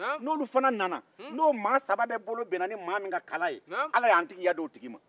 n'olu fana nana n'o maa saba bɛɛ bolo bɛnna ni maa min ka kala ye ala y'an tigiya di o ma